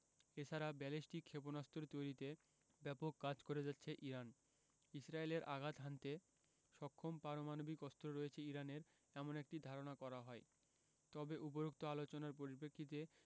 এ ছাড়া ব্যালিস্টিক ক্ষেপণাস্ত্র তৈরিতে ব্যাপক কাজ করে যাচ্ছে ইরান ইসরায়েলে আঘাত হানতে সক্ষম পারমাণবিক অস্ত্র রয়েছে ইরানের এমন একটি ধারণা করা হয় তবে উপরোক্ত আলোচনার পরিপ্রেক্ষিতে